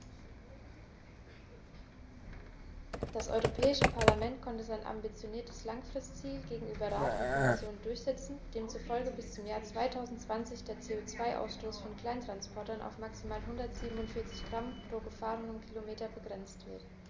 Das Europäische Parlament konnte sein ambitioniertes Langfristziel gegenüber Rat und Kommission durchsetzen, demzufolge bis zum Jahr 2020 der CO2-Ausstoß von Kleinsttransportern auf maximal 147 Gramm pro gefahrenem Kilometer begrenzt wird.